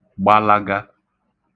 gbalaga